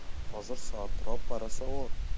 hozir soat roppa rosa o'n